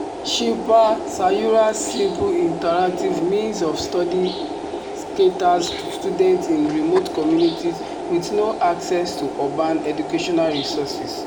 Shilpa Sayura’s simple interactive means of self study caters to students in remote communities with no access to urban educational resources.